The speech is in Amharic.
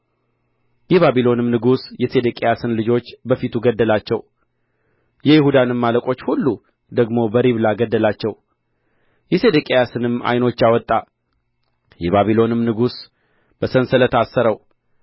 የባቢሎንም ንጉሥ የሴዴቅያስን ልጆች በፊቱ ገደላቸው የይሁዳንም አለቆች ሁሉ ደግሞ በሪብላ ገደላቸው የሴዴቅያስንም ዓይኖች አወጣ የባቢሎንም ንጉሥ በሰንሰለት አሰረው